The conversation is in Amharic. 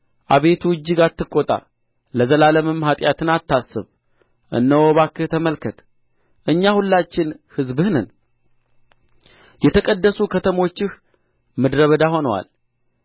አቤቱ እጅግ አትቈጣ ለዘላለምም ኃጢአትን አታስብ እነሆ እባክህ ተመልከት እኛ ሁላችን ሕዝብህ ነን የተቀደሱ ከተሞችህ ምድረ በዳ ሆነዋል